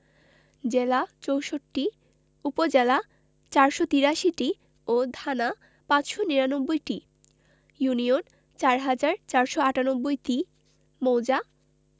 জেলা ৬৪টি উপজেলা ৪৮৩টি ও থানা ৫৯৯টি ইউনিয়ন ৪হাজার ৪৯৮টি মৌজা